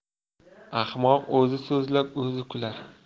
ahmoq o'zi so'zlab o'zi kular